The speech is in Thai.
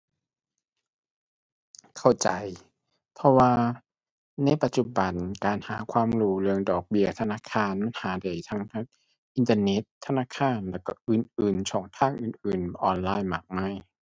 เข้าใจ เพราะว่าในปัจจุบันการหาความรู้เรื่องดอกเบี้ยธนาคารมันหาได้ทั้งทางอินเทอร์เน็ต ธนาคาร แล้วก็อื่นอื่น ช่องทางอื่นอื่นออนไลน์มากมาย